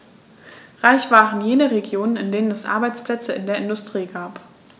Reich waren jene Regionen, in denen es Arbeitsplätze in der Industrie gab.